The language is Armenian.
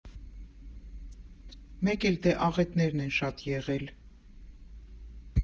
«Մեկ էլ դե աղետներն են շատ եղել.